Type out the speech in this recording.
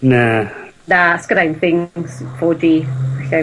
Na. Na sgennai 'im things four gee felly...